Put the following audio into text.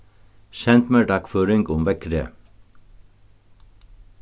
send mær dagføring um veðrið